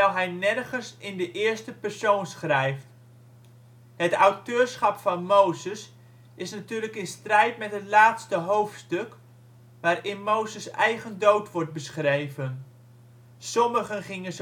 hij nergens in de eerste persoon schrijft. Het auteurschap van Mozes is natuurlijk in strijd met het laatste hoofdstuk, waarin Mozes ' eigen dood wordt beschreven. Sommigen gingen